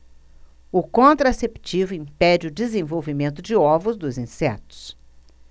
o contraceptivo impede o desenvolvimento de ovos dos insetos